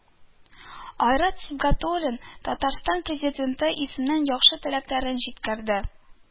Айрат Сибагәтуллин ТР Президенты исеменнән яхшы теләкләрен җиткерде